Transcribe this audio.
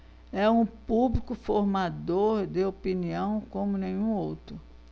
é um público formador de opinião como nenhum outro